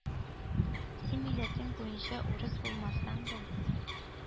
Син милләтең буенча урыс булмасаң да,